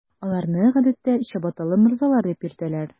Аларны, гадәттә, “чабаталы морзалар” дип йөртәләр.